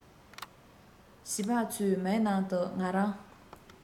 བྱིས པ ཚོའི མིག ནང དུ ང རང